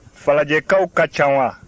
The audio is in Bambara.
falajɛkaw ka ca wa